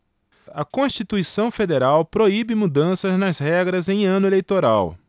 a constituição federal proíbe mudanças nas regras em ano eleitoral